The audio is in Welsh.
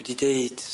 Wedi deud.